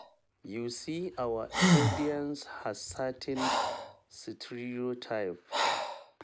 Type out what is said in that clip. You see, our audience has certain stereotypes...